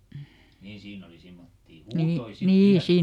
niin siinä oli semmoisia huutoja sitten vielä